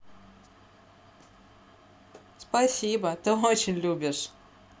спасибо ты очень любишь